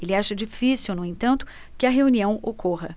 ele acha difícil no entanto que a reunião ocorra